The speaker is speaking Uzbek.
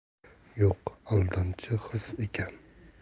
yo'q aldamchi his ekan